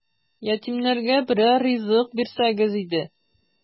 Ятимнәргә берәр ризык бирсәгез иде! ..